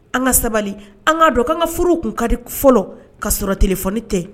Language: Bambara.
An ka sabali an kaa dɔn an ka foro furuw tun ka di fɔlɔ ka sɔrɔ tele kunnafonioni tɛ